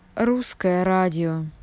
русское радио